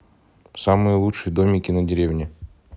самые лучшие домики на дереве